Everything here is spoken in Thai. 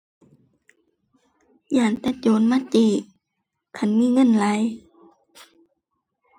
ย้านแต่โจรมาจี้ คันมีเงินหลาย